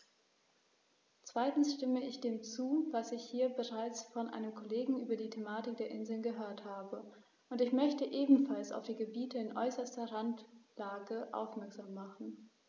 Zweitens stimme ich dem zu, was ich hier bereits von einem Kollegen über die Thematik der Inseln gehört habe, und ich möchte ebenfalls auf die Gebiete in äußerster Randlage aufmerksam machen.